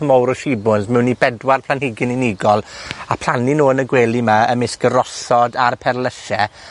mowr o shibwns mewn i bedwar planhigyn unigol, a plannu nw yn y gwely 'ma ymysg y rosod a'r perlyse,